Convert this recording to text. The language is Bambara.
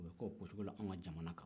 o bɛ k'o kɛ cogo la anw ka jamana kan